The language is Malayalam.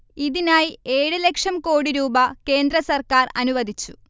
ഇതിനായി ഏഴ് ലക്ഷം കോടി രൂപ കേന്ദ്ര സർക്കാർ അനുവദിച്ചു